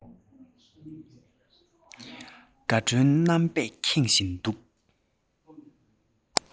དགའ སྤྲོའི རྣམ པས ཁེངས བཞིན འདུག